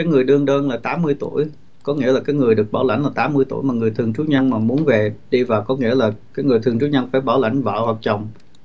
người đương đơn là tám mươi tuổi có nghĩa là cái người được bảo lãnh là tám mươi tuổi mà người thường trú nhân mà muốn về đi vào có nghĩa là người thường trú nhân phải bảo lãnh vợ hoặc chồng